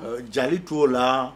Ɛɛ, Jali t'o la.